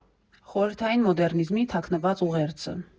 Խորհրդային մոդեռնիզմի թաքնված ուղերձը։